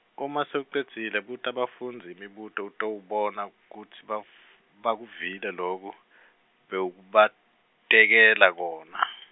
kuma sewucedzile buta bafundzi imibuto utawubona kutsi bav- bakuvile loku bewubatekela kona.